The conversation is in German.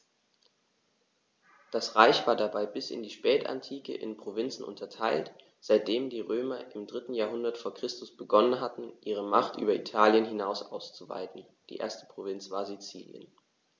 Das Reich war dabei bis in die Spätantike in Provinzen unterteilt, seitdem die Römer im 3. Jahrhundert vor Christus begonnen hatten, ihre Macht über Italien hinaus auszuweiten (die erste Provinz war Sizilien).